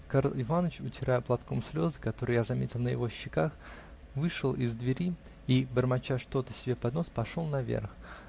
Карл Иваныч, утирая платком слезы, которые я заметил на его щеках, вышел из двери и, бормоча что-то себе под нос, пошел на верх.